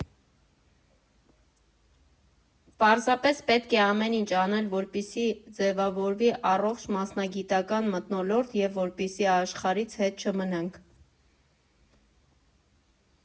Պարզապես պետք է ամեն ինչ անել, որպեսզի ձևավորվի առողջ մասնագիտական մթնոլորտ և որպեսզի աշխարհից հետ չմնանք։